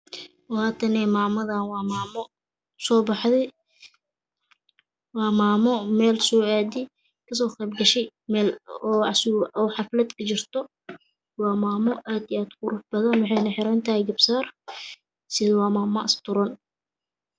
Hatane maamadan waa maamo uso baxday waa maamo meel soo aaday kasoo qayb gashay oo xaflad ka jirto waa maamo aad iyo aad uqurux badan waxay xirantahay garba saar sidokale waa mamo asturan